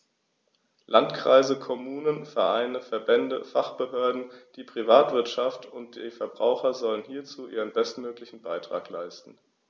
Landkreise, Kommunen, Vereine, Verbände, Fachbehörden, die Privatwirtschaft und die Verbraucher sollen hierzu ihren bestmöglichen Beitrag leisten.